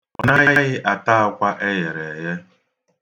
Ọ naghị ata akwa e ghere eghe.